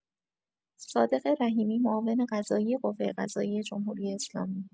صادق رحیمی، معاون قضایی قوه‌قضاییه جمهوری‌اسلامی